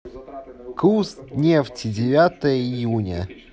курс нефти девятое июня